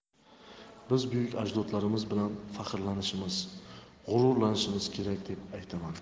biz buyuk ajdodlarimiz bilan faxrlanishimiz g'ururlanishimiz kerak deb aytaman